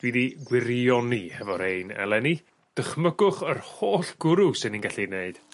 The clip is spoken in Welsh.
Dwi 'di gwirioni hefo rein eleni dychmygwch yr holl gwrw swn i'n gallu neud